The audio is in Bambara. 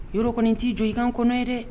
Yɔrɔ kɔni t'i jɔ i kan kɔnɔ ye dɛ